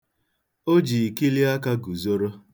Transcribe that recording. O ji ikiliaka guzoro.